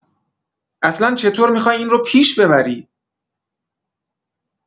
اصلا چه‌طور می‌خوای این رو پیش ببری؟